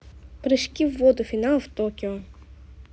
прыжки в воду финал в токио